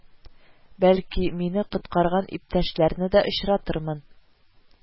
Бәлки, мине коткарган иптәшләрне дә очратырмын